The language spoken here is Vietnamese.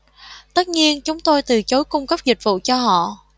tất nhiên chúng tôi từ chối cung cấp dịch vụ cho họ